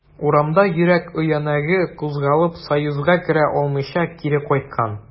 Урамда йөрәк өянәге кузгалып, союзга керә алмыйча, кире кайткан.